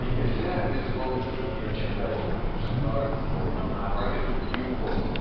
и нельзя без волнения читать "Кустарник" про эту вьюгу